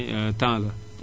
yaakaar naa ne temps la